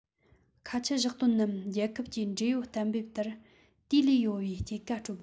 ཁ ཆད བཞག དོན ནམ རྒྱལ ཁབ ཀྱི འབྲེལ ཡོད གཏན འབེབས ལྟར དུས ལས ཡོལ བའི སྐྱེད ཀ སྤྲོད དགོས